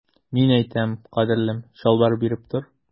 Мин әйтәм, кадерлем, чалбар биреп тор.